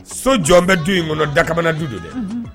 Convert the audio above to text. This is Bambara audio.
So jɔn bɛ du in kɔnɔ dakamana du de dɛ